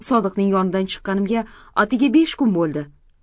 sodiqning yonidan chiqqanimga atigi besh kun bo'ldi